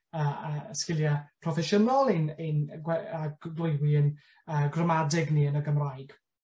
yy yy y sgilie proffesiynol ein ein y gwe- a gyflwynwi 'yn yy gramadeg ni yn y Gymraeg.